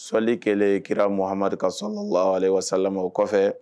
Sɔli kɛlen Kira Muhamadu kan salalahu alehi wasalamu o kɔfɛ